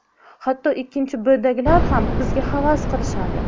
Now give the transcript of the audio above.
hatto ikkinchi bdagilar ham bizga havas qilishadi